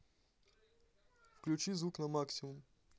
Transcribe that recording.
включи звук на максимум